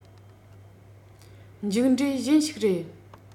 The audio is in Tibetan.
མཇུག འབྲས གཞན ཞིག རེད